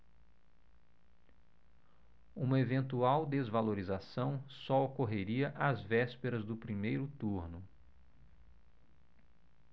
uma eventual desvalorização só ocorreria às vésperas do primeiro turno